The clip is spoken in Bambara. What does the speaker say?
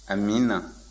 amiina